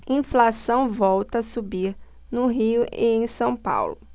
inflação volta a subir no rio e em são paulo